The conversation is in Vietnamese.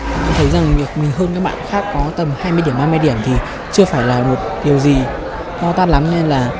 thấy rằng việc mình hơn các bạn khác có tầm hai mươi điểm ba mươi điểm thì chưa phải là một điều gì to tát lắm nên là